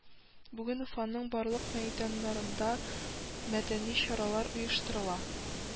Бүген Уфаның барлык мәйданнарында мәдәни чаралар оештырыла